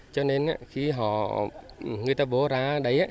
cho nên khi họ người ta bỏ ra đấy á